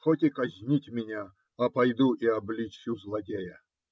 хоть и казнят меня, а пойду и обличу злодея".